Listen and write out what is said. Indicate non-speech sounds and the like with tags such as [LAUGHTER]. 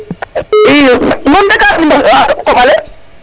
i nuun de [UNINTELLIGIBLE] koɓale